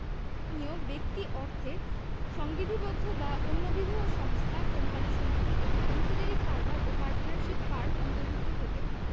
ঞ ব্যক্তি অর্থে সংবিধিবদ্ধ বা অন্যবিধ সংস্থা কোম্পানী সমিতি এবং অংশীদারী কারবারও পার্টনারশিপ ফার্ম অন্তর্ভুক্ত হইবে